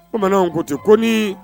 Bamananw ko ten ko ni